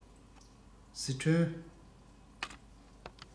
སི ཁྲོན